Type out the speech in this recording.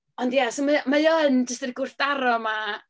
Ond ia, so mae o mae o yn jyst yr gwrthdaro 'ma.